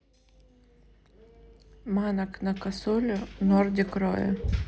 манок на косулю нордик рое